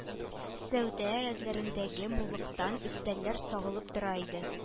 Сәүдә рәтләрендәге муллыктан өстәлләр сыгылып тора иде